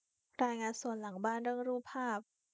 รายงานสวนหลังบ้านเรื่องรูปภาพ